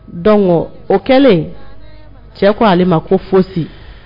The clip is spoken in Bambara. Don o kɛlen cɛ ko ale ma ko fo foyisi